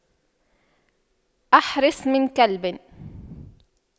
أحرس من كلب